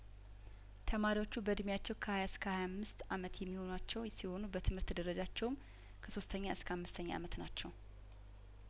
ተማሪዎቹ በእድሜያቸው ከሀያ እስከ ሀያ አምስት አመት የሚሆናቸው ሲሆኑ በትምህርት ደረጃቸውም ከሶስተኛ እስከ አምስተኛ አመት ናቸው